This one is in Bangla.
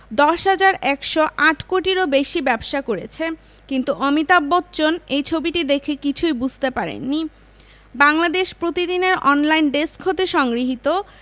১০১০৮ কোটিরও বেশি ব্যবসা করেছে কিন্তু অমিতাভ বচ্চন এই ছবিটি দেখে কিছুই বুঝতে পারেননি বাংলাদেশ প্রতিদিন এর অনলাইন ডেস্ক হতে সংগৃহীত